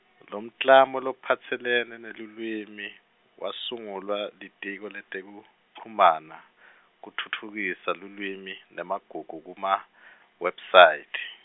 Lomklamo lophatselene nelulwimi, wasungulwa Litiko letekuchumana, kutfutfukisa lulwimi nemagugu kuma-website.